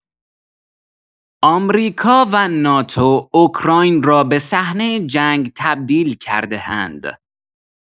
آمریکا و ناتو، اوکراین را به صحنه جنگ تبدیل کرده‌اند.